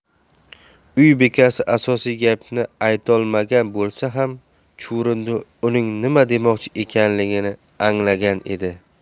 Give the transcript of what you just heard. uy bekasi asosiy gapni aytolmagan bo'lsa ham chuvrindi uning nima demoqchi ekanini anglagan edi